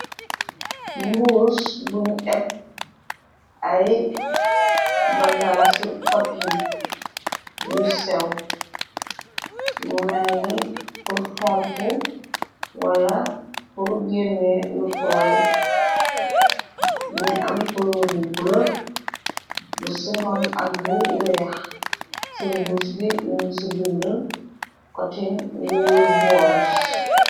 Mbuus buñu épp ay bagasu kotin yu sew mu menni pur phomp pu wala pur genne lu tooy mugu am culoor bu bula bu singom ak bu weex ci mbuus bi nyung ci bindi cotin wool bors.